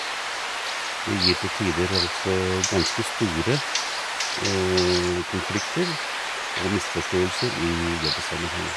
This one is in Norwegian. Det gir til tider altså ganske store konflikter og misforståelser i jobbsammenheng.